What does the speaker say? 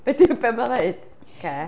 Be 'di... be ma'n ddeud?